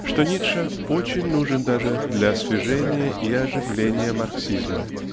что Ницше очень нужен даже для освежения и оживления марксизма.